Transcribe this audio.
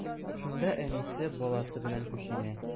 Шунда әнисе, баласы белән күченә.